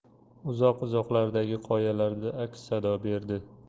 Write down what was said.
uzoq uzoqlardagi qoyalarda aks sado berdi